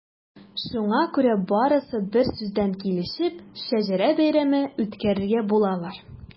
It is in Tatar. Шуңа күрә барысы берсүздән килешеп “Шәҗәрә бәйрәме” үткәрергә булалар.